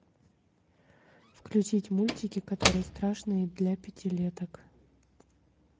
включить мультики которые страшные для пятилеток